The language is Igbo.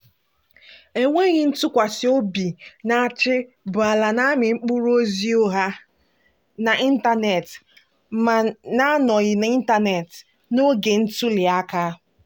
Enweghị ntụkwasị obi na-achị bụ ala na-amị mkpụrụ ozi ụgha – n'ịntaneetị ma n'anọghị n'ịntaneetị – n'oge ntụliaka.